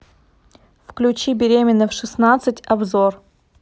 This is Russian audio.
включи беременна в шестнадцать обзор